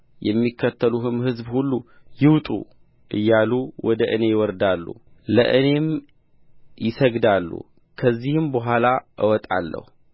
የሚከተሉህም ሕዝብ ሁሉ ይውጡ እያሉ ወደ እኔ ይወርዳሉ ለእኔም ይሰግዳሉ ከዚያም በኋላ እወጣለሁ